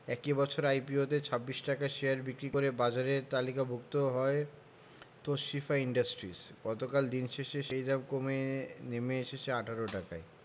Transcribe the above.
একই বছর আইপিওতে ২৬ টাকায় শেয়ার বিক্রি করে বাজারে তালিকাভুক্ত হয় তশরিফা ইন্ডাস্ট্রিজ গতকাল দিন শেষে সেই দাম কমে নেমে এসেছে ১৮ টাকায়